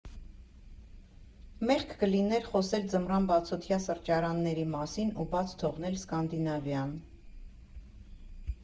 Մեղք կլիներ խոսել ձմռան բացօթյա սրճարանների մասին ու բաց թողնել Սկանդինավիան։